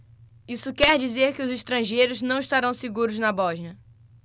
isso quer dizer que os estrangeiros não estarão seguros na bósnia